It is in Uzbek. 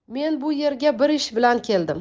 men bu yerga bir ish bilan keldim